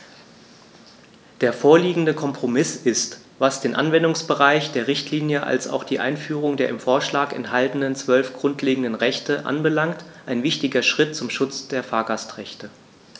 Der vorliegende Kompromiss ist, was den Anwendungsbereich der Richtlinie als auch die Einführung der im Vorschlag enthaltenen 12 grundlegenden Rechte anbelangt, ein wichtiger Schritt zum Schutz der Fahrgastrechte.